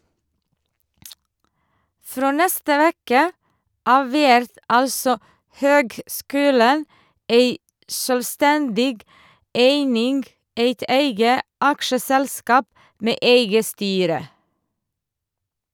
Frå neste veke av vert altså høgskulen ei sjølvstendig eining, eit eige aksjeselskap med eige styre.